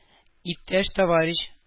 Иптәш-товарищ